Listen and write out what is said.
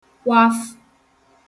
kwafụ̀